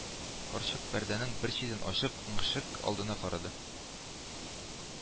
Карчык, пәрдәнең бер читен ачып, ңшек алдына карады